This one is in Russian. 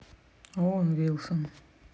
оуэн вилсон